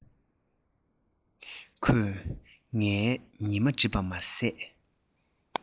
ཁོས ངའི ཉི མ སྒྲིབ པ མ ཟད